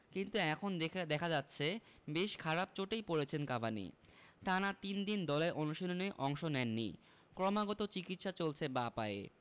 কিন্তু এখন দেখা যাচ্ছে বেশ খারাপ চোটেই পড়েছেন কাভানি টানা তিন দিন দলের অনুশীলনে অংশ নেননি ক্রমাগত চিকিৎসা চলছে বাঁ পায়ে